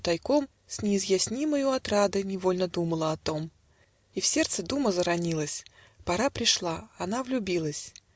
но тайком С неизъяснимою отрадой Невольно думала о том И в сердце дума заронилась Пора пришла, она влюбилась.